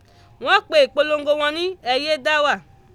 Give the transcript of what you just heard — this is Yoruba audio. Wọ́n pe ìpolongo wọn ní “Ẹ Yé é Dà Wá"